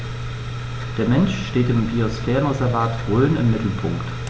Der Mensch steht im Biosphärenreservat Rhön im Mittelpunkt.